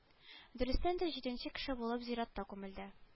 Дөрестән дә җиденче кеше булып зиратта күмелде